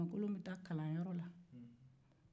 ɲamankolon bɛtaa kalanyɔrɔ la